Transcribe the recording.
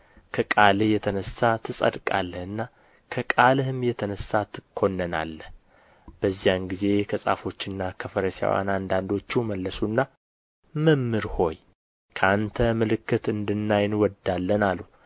ከቃልህ የተነሣ ትጸድቃለህና ከቃልህም የተነሣ ትኰነናለህ በዚያን ጊዜ ከጻፎችና ከፈሪሳውያን አንዳንዶቹ መለሱና መምህር ሆይ ከአንተ ምልክት እንድናይ እንወዳለን አሉ